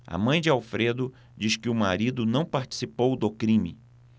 a mãe de alfredo diz que o marido não participou do crime